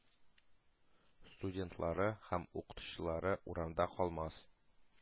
Студентлары һәм укытучылары урамда калмас.